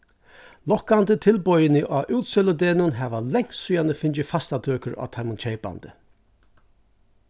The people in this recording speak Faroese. lokkandi tilboðini á útsøludegnum hava langt síðani fingið fastatøkur á teimum keypandi